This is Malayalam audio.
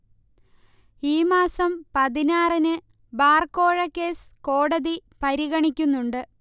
ഈ മാസം പതിനാറ്ന് ബാർ കോഴക്കേസ് കോടതി പരിഗണിക്കുന്നുണ്ട്